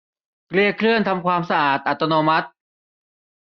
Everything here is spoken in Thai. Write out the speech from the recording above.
เรียกเครื่องทำความสะอาดอัตโนมัติ